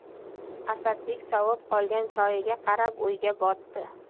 asadbek sovub qolgan choyiga qarab o'yga botdi